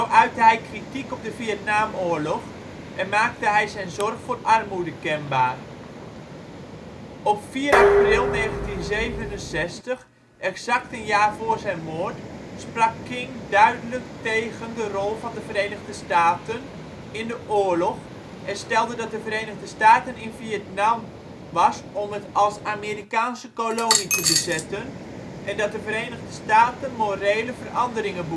uitte hij kritiek op de Vietnamoorlog en maakte hij zijn zorg over armoede kenbaar. Op 4 april 1967 — exact een jaar voor zijn dood - sprak King duidelijk tegen de rol van de Verenigde Staten in de oorlog, en stelde dat de Verenigde Staten in Vietnam was om het " als Amerikaanse kolonie te bezetten " en dat de Verenigde Staten morele veranderingen